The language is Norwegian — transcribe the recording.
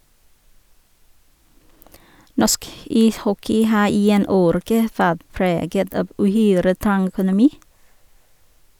Norsk ishockey har i en årrekke vært preget av uhyre trang økonomi.